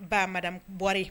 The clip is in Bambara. Ba madame b Boire